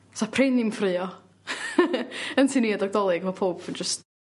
sa prin ddim ffrio. Yn tynnu adag 'Dolig ma' powb 'n js